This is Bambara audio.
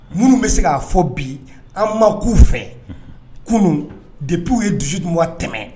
Minnu bɛ se k'a fɔ bi an ma k’u fɛ , unhun, kunun depuis u ye 18 mois tɛmɛn